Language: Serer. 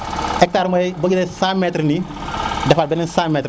hectar moy bo jële 100 metre ni defaat beneen 100 metre